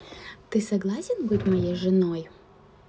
ты согласен быть моей женой